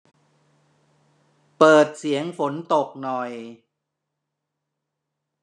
เปิดเสียงฝนตกหน่อย